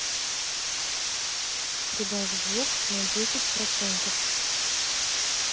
прибавь звук на десять процентов